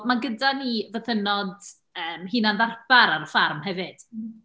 Ma' gyda ni fythynnod yym hunan-ddarpar ar y ffarm hefyd.